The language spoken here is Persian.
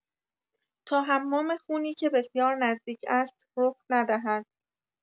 تا حمام خونی که بسیار نزدیک است، رخ ندهد.